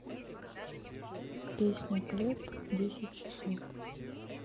песня глеб десять часов